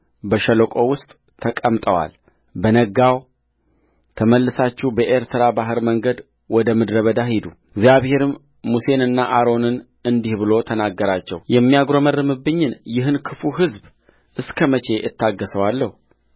በሸለቆው ውስጥ ተቀምጦአል በነጋው ተመልሳችሁ በኤርትራ ባሕር መንገድ ወደ ምድረ በዳ ሂዱእግዚአብሔርም ሙሴንና አሮንን እንዲህ ብሎ ተናገራቸውየሚያጕረመርምብኝን ይህን ክፉ ሕዝብ እስከ መቼ እታገሠዋለሁ